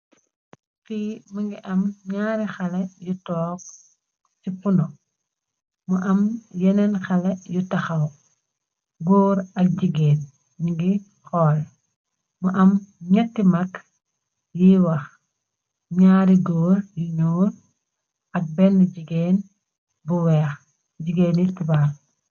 Fe mëngi am ñaari xale yu toog ci puno mu am yeneen xale yu taxaw góor ak jigeen ningi xoole mu am ñetti mag yiy wax ñaari góor yu ñoor ak benn jigeen bu weex jigeen ne toubab.